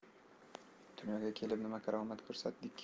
dunyoga kelib nima karomat ko'rsatdik